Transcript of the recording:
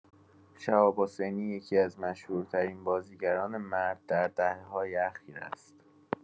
شهاب حسینی یکی‌از مشهورترین بازیگران مرد در دهه‌های اخیر است.